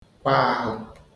kwa ahụ